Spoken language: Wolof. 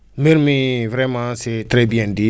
mbir mi vraiment c' est très bien dit